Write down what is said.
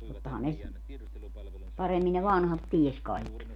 tottahan ne paremmin ne vanhat tiesi kaikki